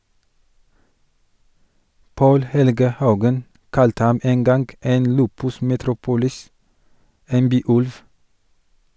Paal Helge Haugen kalte ham en gang en lupus metropolis, en byulv.